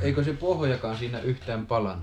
eikö se pohjaan siinä yhtään palanut